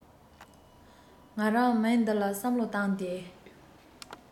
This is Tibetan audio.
ང རང མིང འདི ལ བསམ བློ བཏང སྟེ